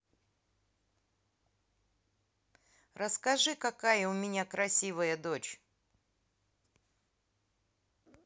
расскажи какая у меня красивая дочь